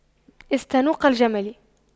استنوق الجمل